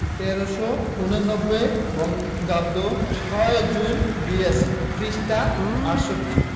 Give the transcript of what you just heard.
১৩৮৯ বঙ্গাব্দ ৬ জুন ৮২ পৃষ্ঠাঃ ৬৮